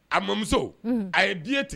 A mɔmuso unhun a ye diɲɛ